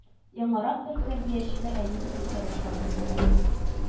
Яңарак бер тәрбиячене әни дип йөртә башлады